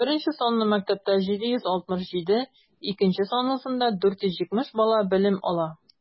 Беренче санлы мәктәптә - 767, икенче санлысында 470 бала белем ала.